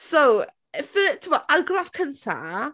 So, yy fy- tibod, argraff cynta...